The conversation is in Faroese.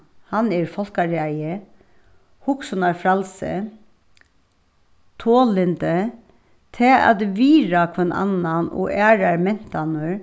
hann er fólkaræði hugsunarfrælsi tollyndi tað at virða hvønn annan og aðrar mentanir